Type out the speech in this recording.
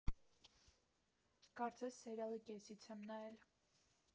Կարծես սերիալը կեսից եմ նայել։